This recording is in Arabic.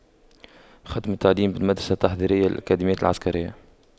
خدمة تعدين بالمدرسة التحضيرية للأكاديمية العسكرية